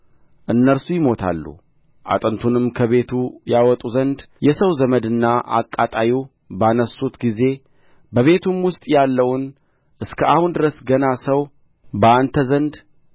እነርሱ ይሞታሉ አጥንቱንም ከቤቱ ያወጡ ዘንድ የሰው ዘመድና አቃጣዩ ባነሡት ጊዜ በቤቱም ውስጥ ያለውን እስከ አሁን ድረስ ገና ሰው በአንተ ዘንድ